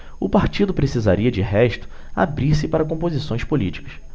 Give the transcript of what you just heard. o partido precisaria de resto abrir-se para composições políticas